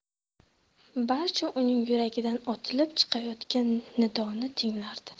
barcha uning yuragidan otilib chiqayotgan nidoni tinglardi